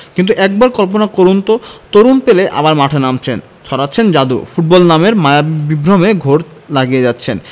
কিন্তু একবার কল্পনা করুন তো তরুণ পেলে আবার মাঠে নামছেন ছড়াচ্ছেন জাদু ফুটবল নামের মায়াবী বিভ্রমে ঘোর লাগিয়ে যাচ্ছেন